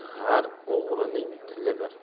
g'ar o'g'rining tili bir